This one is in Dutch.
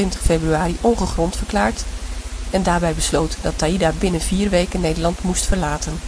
februari ongegrond verklaard en daarbij besloten dat Taida binnen vier weken Nederland moest verlaten